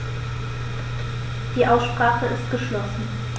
Die Aussprache ist geschlossen.